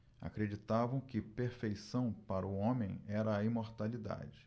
acreditavam que perfeição para o homem era a imortalidade